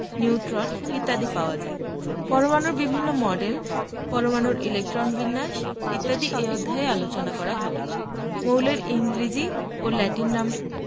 neutron ইত্যাদি পাওয়া যায় পরমাণুর বিভিন্ন মডেল পরমাণুর ইলেকট্রন বিন্যাস ইত্যাদি এ অধ্যায়ে আলোচনা করা হবে মৌলের ইংরেজি ও ল্যাটিন নাম